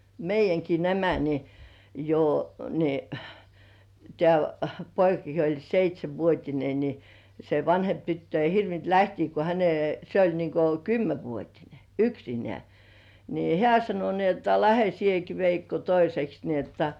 meidänkin nämä niin jo niin tämä poikakin jo oli seitsenvuotinen niin se vanhempi tyttö ei hirvinnyt lähteä kun - se oli niin kuin kymmenvuotinen yksinään niin hän sanoi niin jotta lähde sinäkin Veikko toiseksi niin jotta